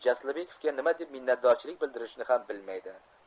jaslibekovga nima deb minnatdorchilik bildirishni xam bilmaydi